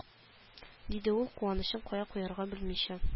Диде ул куанычын кая куярга белмичә